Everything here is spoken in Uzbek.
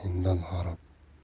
yor mendan xarob